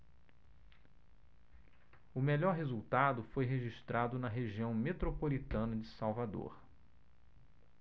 o melhor resultado foi registrado na região metropolitana de salvador